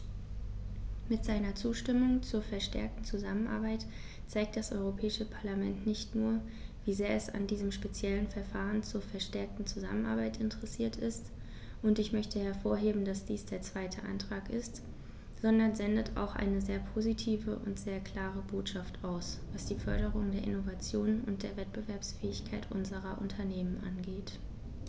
Mit seiner Zustimmung zur verstärkten Zusammenarbeit zeigt das Europäische Parlament nicht nur, wie sehr es an diesem speziellen Verfahren zur verstärkten Zusammenarbeit interessiert ist - und ich möchte hervorheben, dass dies der zweite Antrag ist -, sondern sendet auch eine sehr positive und sehr klare Botschaft aus, was die Förderung der Innovation und der Wettbewerbsfähigkeit unserer Unternehmen angeht.